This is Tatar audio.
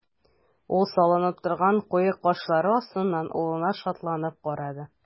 Ул салынып торган куе кашлары астыннан улына шатланып карады.